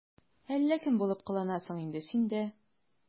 Әллә кем булып кыланасың инде син дә...